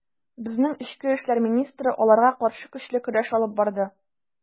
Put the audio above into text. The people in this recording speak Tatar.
Безнең эчке эшләр министры аларга каршы көчле көрәш алып барды.